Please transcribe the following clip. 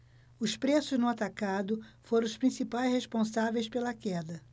os preços no atacado foram os principais responsáveis pela queda